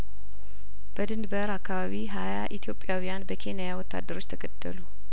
በድንበር አካባቢ ሀያ ኢትዮጵያውያን በኬንያ ወታደሮች ተገደሉ